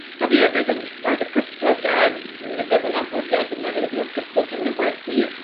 a fi efyd yn gellu gweld y cyswllt yy er nag odd wnna'n bwriad arno heddi ond cyswllt rhwngddo gwaith ti